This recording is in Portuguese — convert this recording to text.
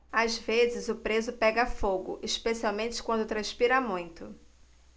às vezes o preso pega fogo especialmente quando transpira muito